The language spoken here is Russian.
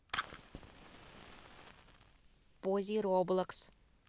пози роблокс